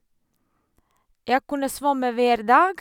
Jeg kunne svømme hver dag.